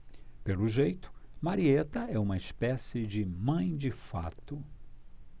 pelo jeito marieta é uma espécie de mãe de fato